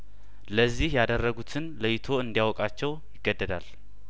ለዚህ የዳረጉትን ለይቶ እንዲ ያውቃቸው ይገደዳል